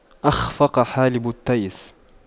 أَخْفَقَ حالب التيس